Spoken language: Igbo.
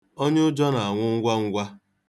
Onyeụjọ na-anwụ ngwa ngwa.